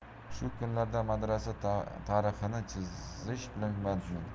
shu kunlarda madrasa tarhini chizish bilan bandmen